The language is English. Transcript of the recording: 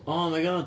O my God.